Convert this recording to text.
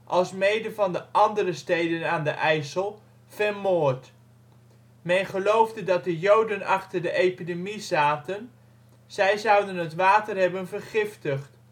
alsmede van de andere steden aan de IJssel vermoord. Men geloofde dat de joden achter de epidemie zaten; zij zouden het water hebben vergiftigd